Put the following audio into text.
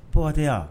Ptɛ yan